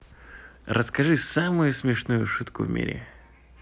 расскажи самую смешную шутку в мире